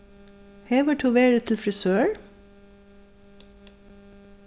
hevur tú verið til frisør